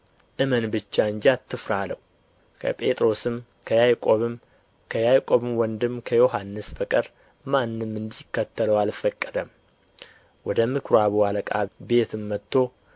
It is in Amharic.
እመን ብቻ እንጂ አትፍራ አለው ከጴጥሮስም ከያዕቆብም ከያዕቆብም ወንድም ከዮሐንስ በቀር ማንም እንዲከተለው አልፈቀደም ወደ ምኵራቡ አለቃ ቤትም መጥቶ